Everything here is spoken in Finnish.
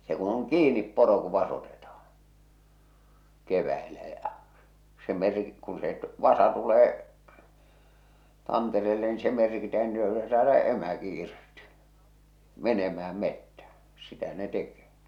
se kun on kiinni poro kun vasotetaan keväällä ja se - kun se vasa tulee tantereelle niin se merkitään ja silloin se saa - emäkin irti menemään metsään sitä ne tekee